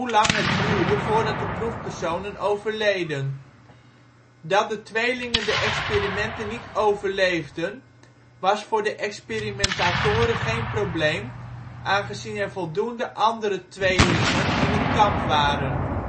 lang het duurde voordat de proefpersonen overleden. Dat de tweelingen de experimenten niet overleefden was voor de experimentatoren geen probleem, aangezien er voldoende andere tweelingen in het kamp waren